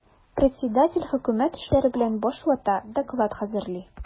Председатель хөкүмәт эшләре белән баш вата, доклад хәзерли.